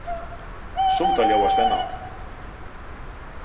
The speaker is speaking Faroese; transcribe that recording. sum tað ljóðar spennandi